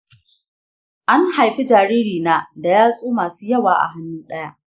an haifi jaririna da yatsu masu yawa a hannu ɗaya.